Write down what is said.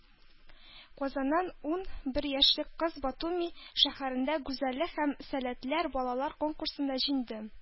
Казаннан ун бер яшьлек кыз Батуми шәһәрендә гүзәллек һәм сәләтләр балалар конкурсында җиңде